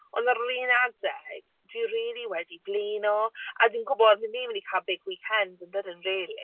Ond ar yr un adeg, dwi rili wedi blino. A dwi'n gwybod dan ni'n mynd i gael big weekend, yn dydyn, rili.